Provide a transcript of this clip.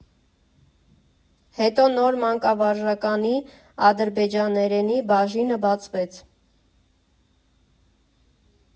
Հետո նոր մանկավարժականի ադրբեջաներենի բաժինը բացվեց։